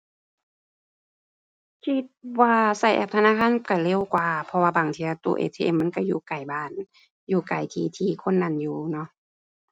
คิดว่าใช้แอปธนาคารใช้เร็วกว่า เพราะว่าบางเที่ยตู้ ATM มันใช้อยู่ไกลบ้าน อยู่ไกลที่ที่คนนั้นอยู่เนาะ